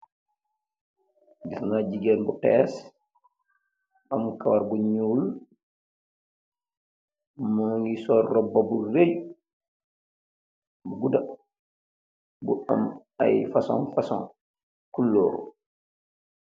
Jigeen buu hesse, am karawu bu nyeoul tai sol robaa bu rayieh bu am ayyi colour yu fason.